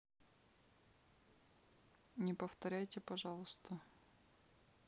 не повторяйте пожалуйста